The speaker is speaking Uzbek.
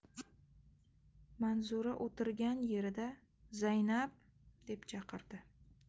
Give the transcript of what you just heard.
manzura o'tirgan yerida zaynab deb chaqirdi